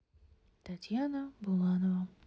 татьяна буланова